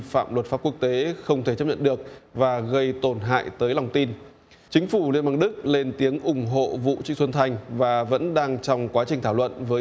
phạm luật pháp quốc tế không thể chấp nhận được và gây tổn hại tới lòng tin chính phủ liên bang đức lên tiếng ủng hộ vụ trịnh xuân thanh và vẫn đang trong quá trình thảo luận với